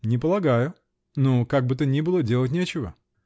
-- Не полагаю; но как бы то ни было -- делать нечего!